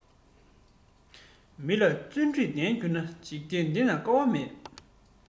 མི ལ བརྩོན འགྲུས ལྡན འགྱུར ན འཇིག རྟེན འདི ན དཀའ བ མེད